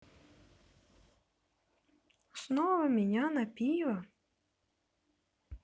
снова меня на пиво